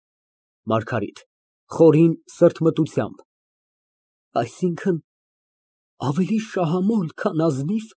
ՄԱՐԳԱՐԻՏ ֊ (Խորին սրտմտությամբ) Այսինքն՝ ավելի շահամոլ, քան ազնի՞վ։